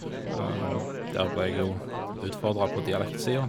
Der ble jeg jo utfordra på dialekt-sia.